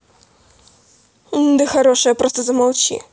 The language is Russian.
да хорошая просто замолчи